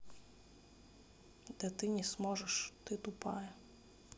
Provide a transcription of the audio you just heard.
да ты не сможешь ты тупая